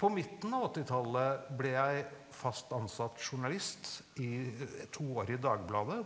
på midten av åttitallet ble jeg fast ansatt journalist i to år i Dagbladet